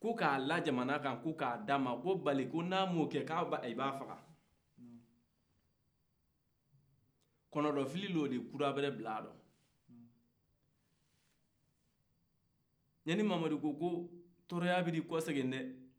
ko k'a la jamana kan ko k'a d'a ma ko bari n'a m'ɔ kɛ k'u b'a faga kɔnɔnafili de y'o ye kura bilala a la ɲani mamadu ko k'o tɔrɔya y'i kosegin dɛ